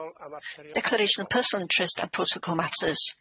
Declaration of Personal Interest and Protocol Matters.